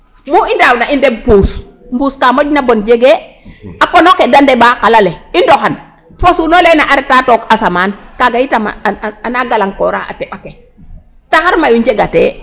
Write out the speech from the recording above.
Mu i ndaawna i ndeɓ puus, mbuus ka moƴna bon jegee a pneus ke da ndeɓaa qal ale i ndoxan fo suun olene a reta took asaman kaaga yitam a naa galangkooraa a teƥ ake taxar mayu njegatee.